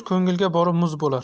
ko'ngilga borib muz bo'lar